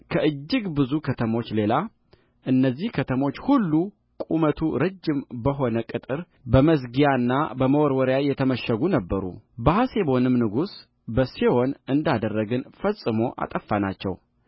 ከእጅግ ብዙ ከተሞች ሌላ እነዚህ ከተሞች ሁሉ ቁመቱ ረጅም በሆነ ቅጥር በመዝጊያና በመወርወሪያም የተመሸጉ ነበሩበሐሴቦንም ንጉሥ በሴዎን እንዳደረግን ፈጽሞ አጠፋናቸው